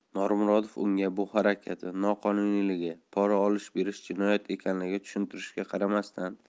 normurodov unga bu harakati noqonuniyligi pora olish berish jinoyat ekanligini tushuntirishiga qaramasdan